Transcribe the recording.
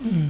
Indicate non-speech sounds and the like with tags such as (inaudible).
(hesitation)